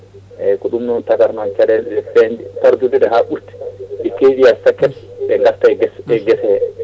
eyyi ko ɗum noon tagata noon caɗele ɗe feŋde tardudeɗe ha ɓuurta ɗi keedoya sakket ɗe garta e guese he